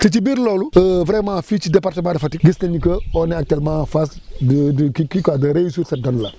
te ci biir loolu vraiment fii ci département de Fatick gis nañ ni que on est actuellement en phase de de kii quoi de réussir cette donne la